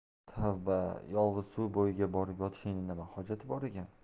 tavba yolg'iz suv bo'yiga borib yotishning nima hojati bor ekan